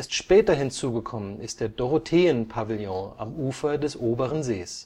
später hinzugekommen ist der „ Dorotheen-Pavillon “am Ufer des oberen Sees